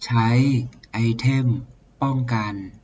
ใช้ไอเทมป้องกัน